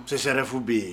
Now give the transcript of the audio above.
Cɛsɛrɛfu bɛ yen